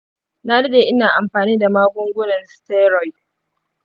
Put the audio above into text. na daɗe ina amfani da magungunan steroid